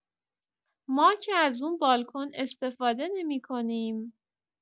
ما که از اون بالکن استفاده نمی‌کنیم.